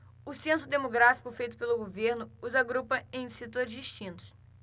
o censo demográfico feito pelo governo os agrupa em setores distintos